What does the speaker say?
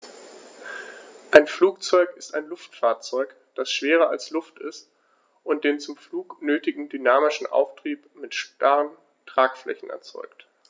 Ein Flugzeug ist ein Luftfahrzeug, das schwerer als Luft ist und den zum Flug nötigen dynamischen Auftrieb mit starren Tragflächen erzeugt.